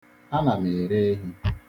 Ana m ere ehi.